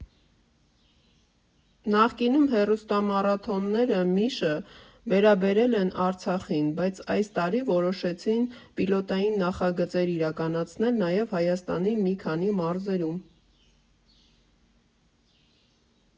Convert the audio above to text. Նախկինում հեռուստամարաթոնները միշը վերաբերել են Արցախին, բայց այս տարի որոշեցին պիլոտային նախագծեր իրականացնել նաև Հայաստանի մի քանի մարզերում։